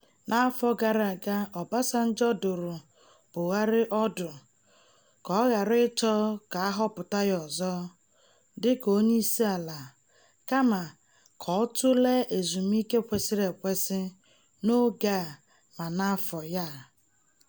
N'afọ gara aga, Obasanjo dụrụ Buhari ọdụ ka ọ ghara ịchọ ka a họpụta ya ọzọ dịka onyeisiala kama ka ọ "tụlee ezumike kwesịrị ekwesị n'oge a ma n'afọ ya a".